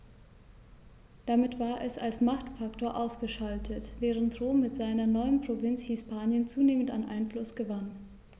Damit war es als Machtfaktor ausgeschaltet, während Rom mit seiner neuen Provinz Hispanien zunehmend an Einfluss gewann.